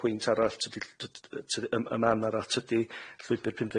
pwynt arall tydi ll- tydi- yym y man arall tydi llwybr